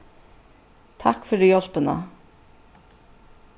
takk fyri hjálpina